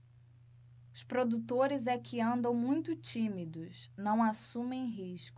os produtores é que andam muito tímidos não assumem riscos